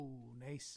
Ww, neis.